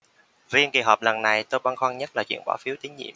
riêng kỳ họp lần này tôi băn khoăn nhất là chuyện bỏ phiếu tín nhiệm